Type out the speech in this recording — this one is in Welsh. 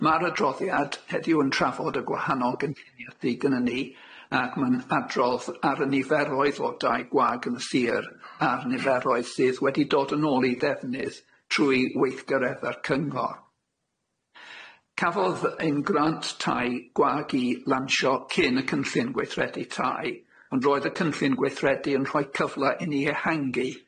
Ma'r adroddiad heddiw yn trafod y gwahanol gynllunie sydd gynnon ni ac ma'n adrodd ar y niferoedd o dai gwag yn y sir a'r niferoedd sydd wedi dod yn ôl i defnydd trwy weithgaredda'r cyngor. Cafodd ein grant tai gwag 'i lansho cyn y cynllun gweithredu tai, ond roedd y cynllun gweithredu yn rhoi cyfle i ni ehangu